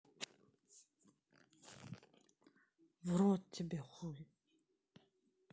в рот тебе хуй